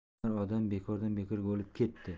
bir odam bekordan bekorga o'lib ketdi